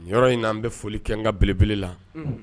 Ni yɔrɔ in an n bi foli kɛ n ka belebele la Unhun